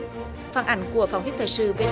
phản ảnh của phóng viên thời sự về